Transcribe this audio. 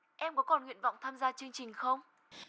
em có còn nguyện vọng tham gia chương trình không